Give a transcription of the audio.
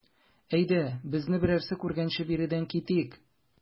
Әйдә, безне берәрсе күргәнче биредән китик.